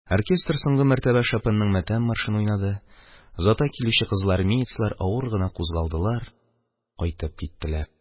Оркестр соңгы мәртәбә Шопенның матәм маршын уйнады, озата килүче кызылармеецлар авыр гына кузгалдылар, кайтып киттеләр,